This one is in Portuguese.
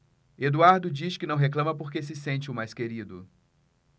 eduardo diz que não reclama porque se sente o mais querido